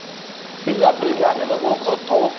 mulla bilganin o'qir